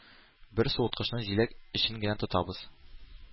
Бер суыткычны җиләк өчен генә тотабыз.